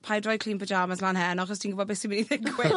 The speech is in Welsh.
paid rhoi cleen pyjamas mlan heno achos ti'n gwbo' beth sy myn' i ddigwydd....